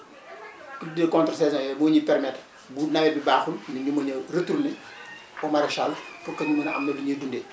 culture de contresaison yooyu moo ñuy permettre bu nawet bi baaxul nit ñi mën a retourner au maraichage pour que ñu mën a am lu ñuy dundee